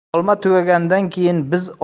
olma tugagandan keyin biz